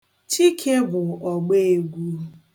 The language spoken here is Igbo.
Chike bụ ọgbeegwu.